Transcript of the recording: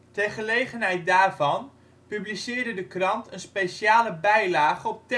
Ter gelegenheid daarvan publiceerde de krant een speciale bijlage op tabloid-formaat